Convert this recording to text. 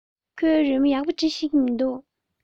ཁོས ཡག པོ འབྲི ཤེས ཀྱི མིན འདུག